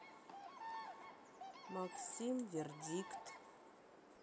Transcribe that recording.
максим вердикт